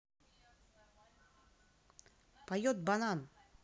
поет банан